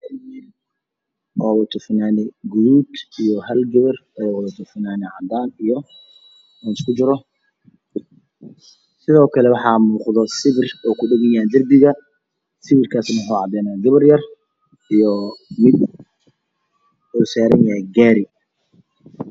Nin wato fanaanad gaduud iyo hal gabar oo wadato fanaanad cadaan. Sidoo kale waxaa muuqdo sawir kudhagan darbiga. Sawirkaasna waxuu cadeynaa gabar yar iyo nin saaran gaari.